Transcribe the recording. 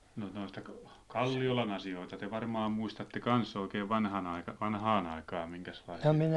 no noista Kalliolan asioita te varmaan muistatte kanssa oikein - vanhaan aikaan minkäslaisia